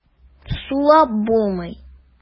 Сулап булмый.